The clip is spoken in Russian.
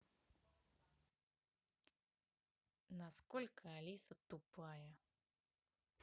насколько алиса тупая